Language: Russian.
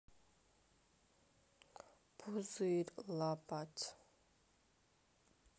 пузырь лапать